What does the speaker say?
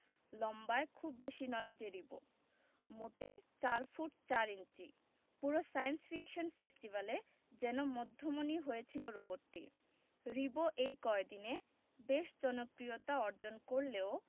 লম্বায় খুব বেশি নয় যে রিবো মোটে ৪ ফুট ৪ ইঞ্চি পুরো সায়েন্স ফিকশন ফেস্টিভ্যালে যেন মধ্যমণি হয়েছিল রোবটটি রিবো এই কয়দিনে বেশ জনপ্রিয়তা অর্জন করলেও